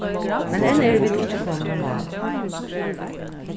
men enn eru vit ikki komin á mál